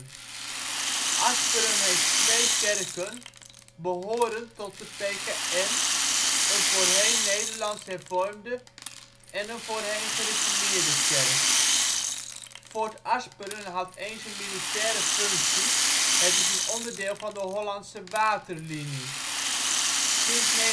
Asperen heeft twee kerken behorend tot de PKN, een voorheen Nederlands-hervormde en een voorheen Gereformeerde kerk. Fort Asperen had eens een militaire functie. Het is een onderdeel van de Hollandse Waterlinie. Sinds 1984